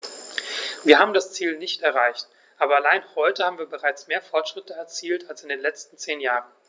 Wir haben das Ziel nicht erreicht, aber allein heute haben wir bereits mehr Fortschritte erzielt als in den letzten zehn Jahren.